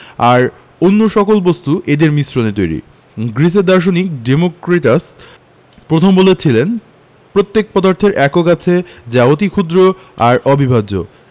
আর অন্য সকল বস্তু এদের মিশ্রণে তৈরি গ্রিসের দার্শনিক ডেমোক্রিটাস প্রথম বলেছিলেন প্রত্যেক পদার্থের একক আছে যা অতি ক্ষুদ্র আর অবিভাজ্য